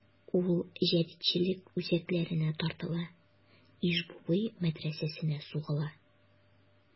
Ул җәдитлек үзәкләренә тартыла: Иж-буби мәдрәсәсенә сугыла.